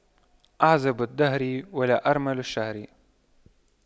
أعزب دهر ولا أرمل شهر